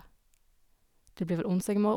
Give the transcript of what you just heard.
Det blir vel onsdag i morgen.